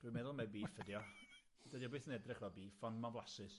Dwi'n meddwl mae beef ydi o. Dydi o byth yn edrych fel beef, ond ma'n flasus.